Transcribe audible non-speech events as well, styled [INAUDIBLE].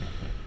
[HESITATION] [HESITATION]